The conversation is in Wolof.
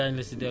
waaw